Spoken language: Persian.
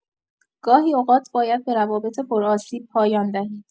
گاهی اوقات باید به روابط پرآسیب پایان دهید.